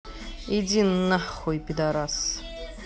иди на хуй пидарас